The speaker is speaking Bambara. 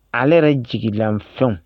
Ale yɛrɛ jiginlanfɛn